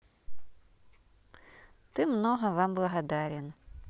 ты много вам благодарен